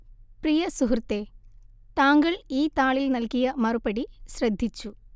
പ്രിയ സുഹൃത്തേ താങ്കൾ ഈ താളിൽ നൽകിയ മറുപടി ശ്രദ്ധിച്ചു